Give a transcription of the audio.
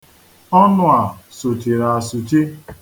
Ọnụ a sụchiri asuchi.